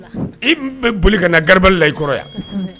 I bɛ boli ka na garibali la i kɔrɔ yan